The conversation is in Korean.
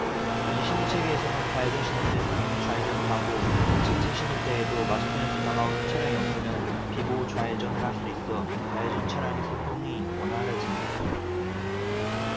이 신호체계에서는 좌회전 신호 때 당연히 좌회전을 하고 직진 신호 때에도 맞은편에서 다가오는 차량이 없으면 비보호 좌회전을 할 수 있어 좌회전 차량의 소통이 원활해진다